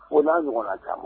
O n'a ɲɔgɔn ma